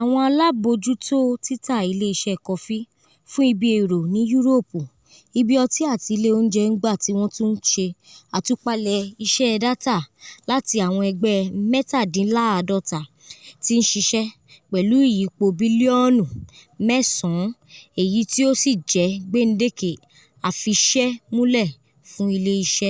Awọn alabojuto tita ile iṣẹ kọfi fun ibi ero ni Uropu, ibi ọti ati ile ounjẹ n gba ti wọn tun n ṣe atupalẹ iṣe data lati awọn egbẹ 47 ti n ṣiṣẹ, pẹlu iyipo biliọnu £9, eyi ti o si jẹ gbendeke afisẹmulẹ fun ile-iṣẹ.